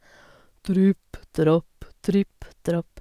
Tripp trapp, tripp trapp.